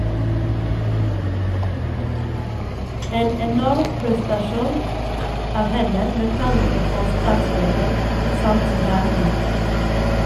En enorm prestasjon av henne med tanke på startfeltet samt buy in.